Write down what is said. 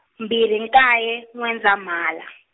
mbirhi nkaye, N'wendzamhala.